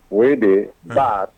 O de taa